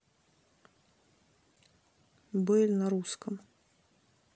бэль на русском